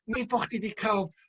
nid bo' chdi 'di ca'l